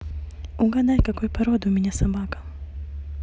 угадай какой поводу у меня собака